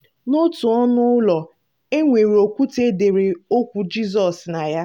N'otu ọnụ ụlọ, e nwere okwute e dere okwu Jizọs na ya.